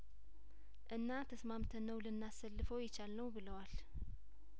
እና ተስማምተን ነው ልናሰልፈው የቻልነው ብለዋል